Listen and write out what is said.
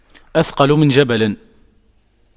أثقل من جبل